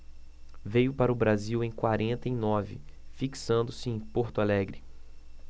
veio para o brasil em quarenta e nove fixando-se em porto alegre